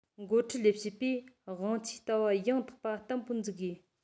༄༅ འགོ ཁྲིད ལས བྱེད པས དབང ཆའི ལྟ བ ཡང དག པ བརྟན པོ འཛུགས དགོས